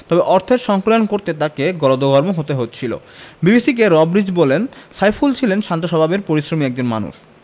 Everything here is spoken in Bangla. তবে অর্থের সংকুলান করতে তাঁকে গলদঘর্ম হতে হচ্ছিল বিবিসিকে রব রিজ বলেন সাইফুল ছিলেন শান্ত স্বভাবের পরিশ্রমী একজন মানুষ